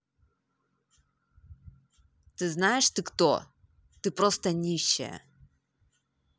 ты знаешь ты кто ты просто нищая